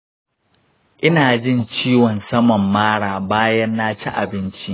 ina jin ciwon saman mara bayan naci abinci.